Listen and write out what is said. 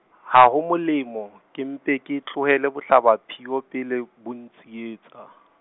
ha ho molemo ke mpe ke tlohele bohlabaphio pele bo ntsietsa.